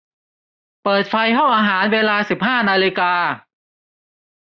เปิดไฟห้องอาหารเวลาสิบห้านาฬิกา